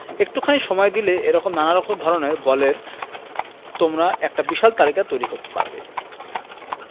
একটুখানি সময় দিলেই এ রকম নানা ধরনের বলের তোমরা একটা বিশাল তালিকা তৈরি করতে পারবে